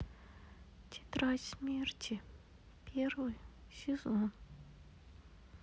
тетрадь смерти первый сезон